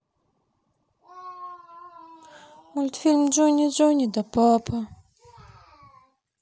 мультфильм джонни джонни да папа